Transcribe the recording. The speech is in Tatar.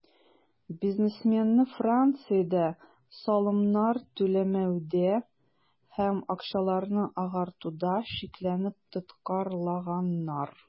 Бизнесменны Франциядә салымнар түләмәүдә һәм акчаларны "агартуда" шикләнеп тоткарлаганнар.